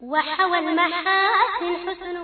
Wamu yo